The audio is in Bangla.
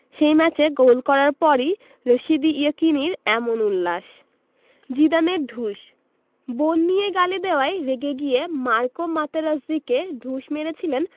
সে ম্যাচে গোল করার পরই রশিদী ইয়েকিনির এমন উল্লাস জিদানের ঢুস বোন নিয়ে গালি দেওয়ায় রেগে গিয়ে মার্কো মাতেরাজ্জিকে ঢুস মেরেছিলেন